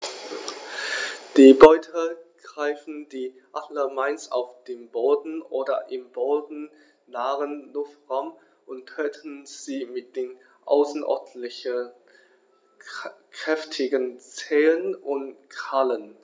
Die Beute greifen die Adler meist auf dem Boden oder im bodennahen Luftraum und töten sie mit den außerordentlich kräftigen Zehen und Krallen.